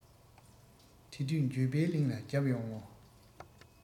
དེ དུས འགྱོད པའི གླིང ལ བརྒྱབ ཡོང ངོ